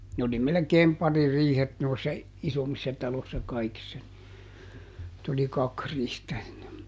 ne oli melkein paririihet noissa isommissa taloissa kaikissa niin että oli kaksi riihtä ennen